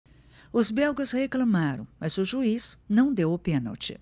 os belgas reclamaram mas o juiz não deu o pênalti